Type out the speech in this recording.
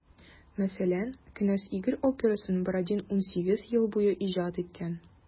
Мәсәлән, «Кенәз Игорь» операсын Бородин 18 ел буе иҗат иткән.